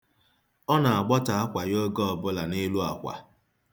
Ọ na-agbọtọ akwa ya oge ọbụla n'elu akwa.